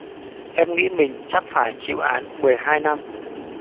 em nghĩ mình chắc phải chịu án mười hai năm